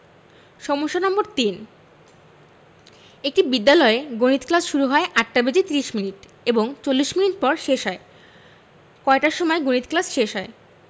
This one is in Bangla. সমস্যা নম্বর ৩ একটি বিদ্যালয়ে গণিত ক্লাস শুরু হয় ৮টা বেজে ৩০ মিনিট এবং ৪০ মিনিট পর শেষ হয় কয়টার সময় গণিত ক্লাস শেষ হয়